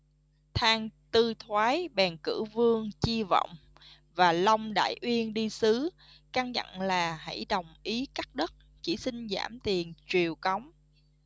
thang tư thoái bèn cử vương chi vọng và long đại uyên đi sứ căn dặn là hãy đồng ý cắt đất chỉ xin giảm tiền triều cống